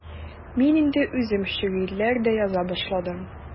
Мин инде үзем шигырьләр дә яза башладым.